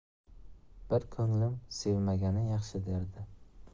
bir ko'nglim sevmagani yaxshi derdi